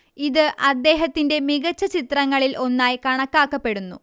ഇത് അദ്ദേഹത്തിന്റെ മികച്ച ചിത്രങ്ങളിൽ ഒന്നായി കണക്കാക്കപ്പെടുന്നു